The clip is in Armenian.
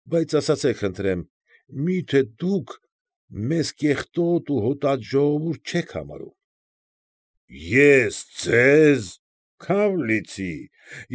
Բայց ասացեք խնդրեմ, մի՞թե դուք մեզ կեղտոտ ու հոտած ժողովուրդ չեք համարում։ ֊ Ե՞ս, ձե՞զ, քավ լիցի։